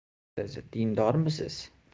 siz dindormisiz